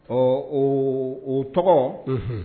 Ɔ o o tɔgɔ